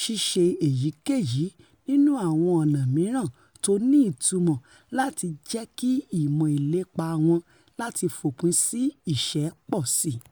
ṣíṣe èyíkèyìí nínú àwọn ọ̀nà mìíràn tóni ìtumọ́ lati jẹ́kí ìmọ̀ ìlépa wọn láti fòpin sí ìṣẹ́ pọ̀síi.